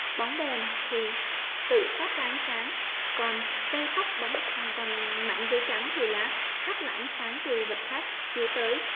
bóng đèn thì tự phát ra ánh sáng còn xây tóc bấc vàng còn mảnh giấy trắng thì lá hát lại ánh sáng từ vật khách chiếu tới